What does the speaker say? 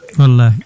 wallahi